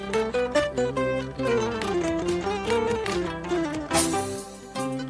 Maa tile